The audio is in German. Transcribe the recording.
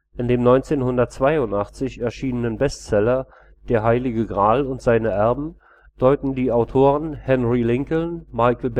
In dem 1982 erschienenen Bestseller Der Heilige Gral und seine Erben deuten die Autoren Henry Lincoln, Michael